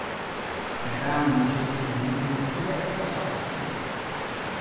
eg bað hann um at seta seg niður og drekka eitt glas av vatni